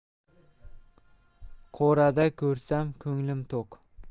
qo'rada ko'rsam ko'nglim to'q